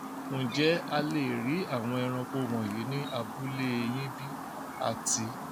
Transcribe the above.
"Ǹjẹ́ a lè rí àwọn ẹranko wọ̀nyí ní abúlée yín bí?", àti